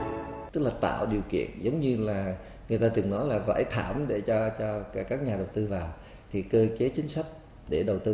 tức là tạo điều kiện giống như là người ta thường nói là dải thảm để cho cho cả các nhà đầu tư vào thì cơ chế chính sách để đầu tư